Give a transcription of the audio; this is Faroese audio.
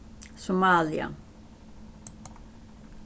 somalia